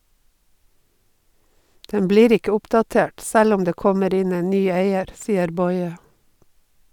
Den blir ikke oppdatert, selv om det kommer inn en ny eier, sier Boye.